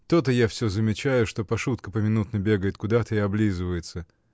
То-то я всё замечаю, что Пашутка поминутно бегает куда-то и облизывается.